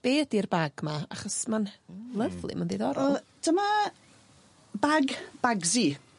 be' ydi'r bag 'ma achos ma'n lyfli, ma'n diddorol. Yy dyma bag Bagsi.